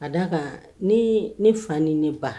Ka d'a kan ne fa ni ne ba